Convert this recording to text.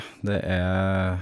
Det er...